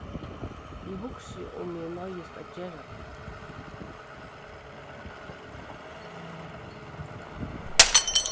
eg hugsi um eg noyðist at gera tað